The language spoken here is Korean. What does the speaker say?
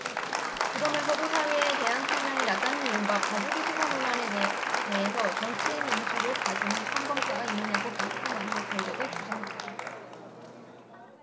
그러면서도 사위에 대한 형량이 낮다는 이른바 봐주기 수사 논란에 대해선 정치인 인척을 봐주는 판검사가 있느냐고 발끈하며 결백을 주장했다